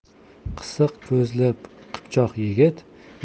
qisiq ko'zli qipchoq yigit